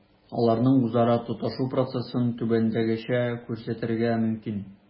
Аларның үзара тоташу процессын түбәндәгечә күрсәтергә мөмкин: